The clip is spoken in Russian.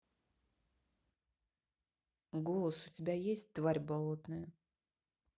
голос у тебя есть тварь болотная